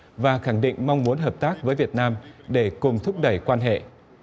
và khẳng định mong muốn hợp tác với việt nam để cùng thúc đẩy quan hệ